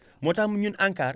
moo tax ñun ANCAR